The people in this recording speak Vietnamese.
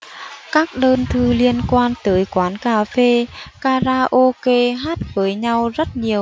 các đơn thư liên quan tới quán cà phê karaoke hát với nhau rất nhiều